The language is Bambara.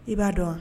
I b'a dɔn wa?